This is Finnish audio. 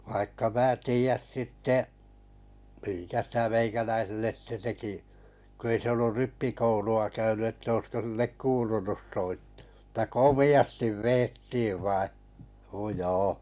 vaikka minä tiedä sitten minkä sitä meikäläiselle sitten teki kun ei se ollut rippikoulua käynyt että olisiko sille kuulunut soittaa mutta komeasti vedettiin vain no joo